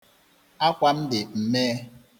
Akwa m dị mmee.